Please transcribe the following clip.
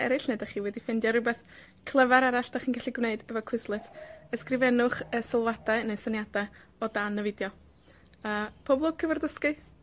wedi ffindio rwbeth clyfar arall 'dach chi'n gallu gwneud efo Quizlet, ysgrifennwch y sylwadau neu syniadau o dan y fideo. A pob lwc efo'r dysgu!